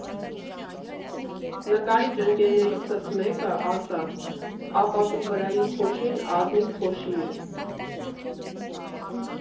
Նկարիչ ընկերներիցս մեկն ասաց՝ ապակու վրայի փոշին ազնիվ փոշի է։